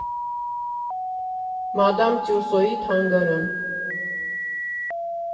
Մադամ Տյուսոյի թանգարան։